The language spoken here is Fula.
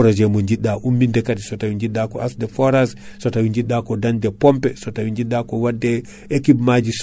kañum menna kaadi ina ndilla ko fate traitement de semence: fra ina ndilla kaadi ko fate produit phytosanitaire ruji ɓenne kaadi min noddi ɗumen